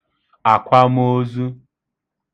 àkwamoozu